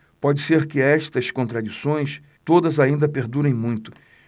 pode ser que estas contradições todas ainda perdurem muito